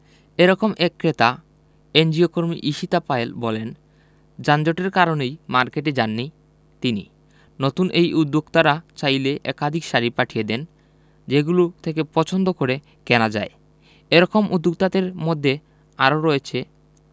সে রকম এক ক্রেতা এনজিওকর্মী ঈশিতা পায়েল বলেন যানজটের কারণেই মার্কেটে যাননি তিনি নতুন এই উদ্যোক্তারা চাইলে একাধিক শাড়ি পাঠিয়ে দেন যেগুলো থেকে পছন্দ করে কেনা যায় এ রকম উদ্যোক্তাদের মধ্যে আরও রয়েছে